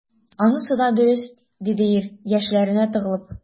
Анысы да дөрес,— диде ир, яшьләренә тыгылып.